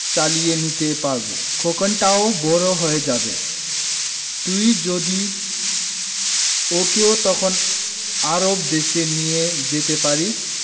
চালিয়ে নিতে পারব খোকনটাও বড় হয়ে যাবে তুই যদি ওকেও তখন আরব দেশে নিয়ে যেতে পারিস